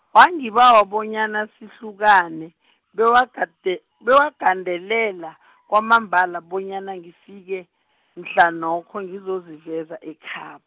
wangibawa bonyana sihlukane , bewagade bewagandelela, kwamambala bonyana ngifike, mhlanokho ngizoziveza ekhab-.